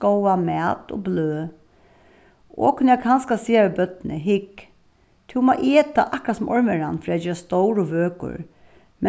góðan mat og bløð okur kunna kanska siga við børnini hygg tú má eta akkurát sum ormveran fyri at gerast stór og vøkur